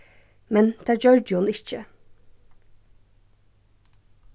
men tað gjørdi hon ikki